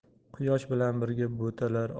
quyosh bilan birga butalar